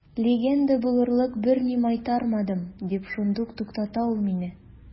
Легенда булырлык берни майтармадым, – дип шундук туктата ул мине.